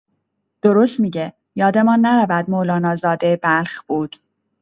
درست می‌گه، یادمان نرود مولانا زاده بلخ بود.